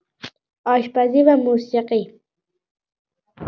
آشپزی و موسیقی